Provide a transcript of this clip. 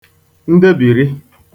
ndebìri